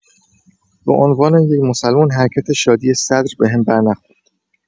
به عنوان یه مسلمون حرکت شادی صدر بهم برنخورد.